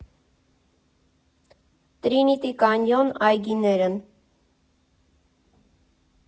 Տրինիտի կանյոն այգիներն։